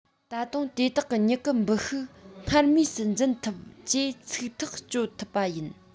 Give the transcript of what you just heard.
ད དུང དེ དག གི མྱུ གུ འབུ ཤུགས སྔར མུས སུ འཛིན ཐུབ ཅེས ཚིག ཐག གཅོད ཐུབ པ ཡིན